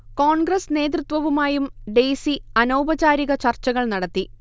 കോൺഗ്രസ് നേതൃത്വവുമായും ഡെയ്സി അനൗപചാരിക ചർച്ചകൾ നടത്തി